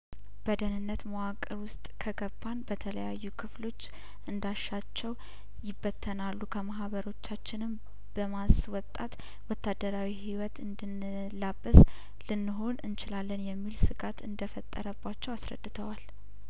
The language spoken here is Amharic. በደህንነት መዋቅር ውስጥ ከገባን በተለያዩ ክፍሎች እንዳሻቸው ይበተናሉ ከማህበሮቻችንም በማስወጣት ወታደራዊ ህይወት እንድንላበስ ልንሆን እንችላለን የሚል ስጋት እንደፈጠረባቸው አስረድተዋል